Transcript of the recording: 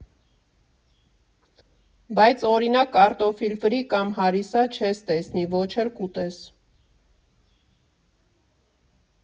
Բայց, օրինակ, կարտոֆիլ֊ֆրի կամ հարիսա չես տեսնի (ոչ էլ կուտես)։